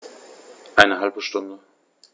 Eine halbe Stunde